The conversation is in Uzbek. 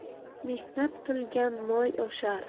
mehnat qilgan moy oshar